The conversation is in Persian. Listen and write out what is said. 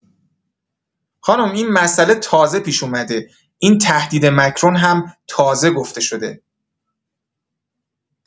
خانم این مسئله تازه پیش اومده این تهدید مکرون هم تازه گفته‌شده